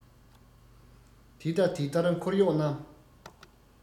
དེ ལྟ དེ ལྟར འཁོར གཡོག རྣམས